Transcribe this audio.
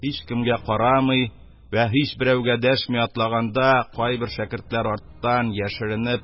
Һичкемгә карамый вә һичберәүгә дәшми атлаганда, кайбер шәкертләр арттан, яшеренеп,